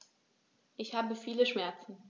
Ich habe viele Schmerzen.